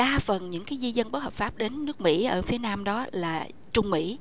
đa phần những cái di dân bất hợp pháp đến nước mỷ ở phía nam đó là trung mỷ